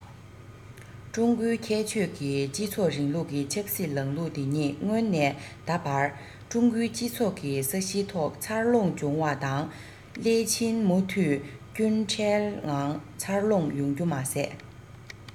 ཀྲུང གོའི ཁྱད ཆོས ཀྱི སྤྱི ཚོགས རིང ལུགས ཀྱི ཆབ སྲིད ལམ ལུགས དེ ཉིད སྔོན ནས ད བར ཀྲུང གོའི སྤྱི ཚོགས ཀྱི ས གཞིའི ཐོག འཚར ལོངས བྱུང བ དང སླད ཕྱིན མུ མཐུད སྐྱོན བྲལ ངང འཚར ལོངས ཡོང རྒྱུ མ ཟད